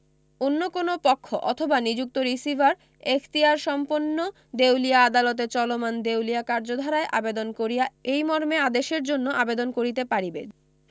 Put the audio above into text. অন্য কোন পক্ষ অথবা নিযুক্ত রিসিভার এখতিয়ারসম্পন্ন দেউলিয়া আদালতে চলমান দেউলিয়া কার্যধারায় আবেদন করিয়া এইমর্মে আদেশের জন্য আবেদন করিতে পারিবে